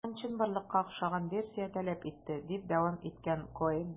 Алар миннән чынбарлыкка охшаган версия таләп итте, - дип дәвам иткән Коэн.